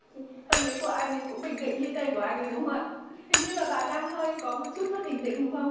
tâm lý của anh ấy cũng bình tĩnh như tên của anh ấy đúng không ạ hình như là bạn đang hơi có một chút mất bình tĩnh đúng không